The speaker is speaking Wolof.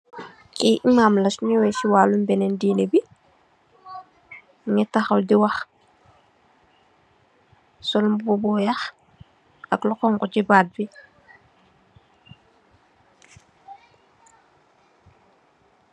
Ki imam la sun ñawéé ci walu benen diinabi mugii taxaw di wax sol mbubu bu wèèx ak lu xonxu ci baat bi.